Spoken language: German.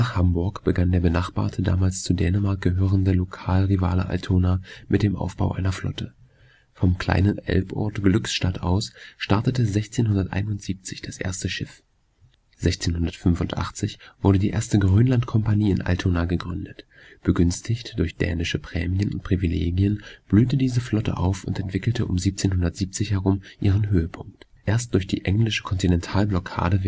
Hamburg begann der benachbarte, damals zu Dänemark gehörige Lokalrivale Altona mit dem Aufbau einer Flotte. Vom kleinen Elbort Glückstadt aus startete 1671 das erste Schiff. 1685 wurde die erste Grönlandkompanie in Altona gegründet. Begünstigt durch dänische Prämien und Privilegien blühte diese Flotte auf und entwickelte um 1770 herum ihren Höhepunkt. Erst durch die englische Kontinentalblockade